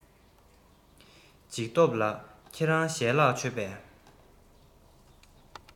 འཇིགས སྟོབས ལགས ཁྱེད རང ཞལ ལག མཆོད པས